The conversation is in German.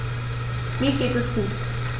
Mir geht es gut.